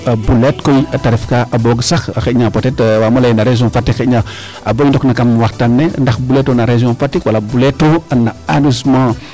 buleet koy te ref kaa boog sax xaƴna peut etre wamo leye na region Fatick xayna bo i ndoq na kam waxtaan le ndax buleeto no region Fatick wala buleeto no arrondissement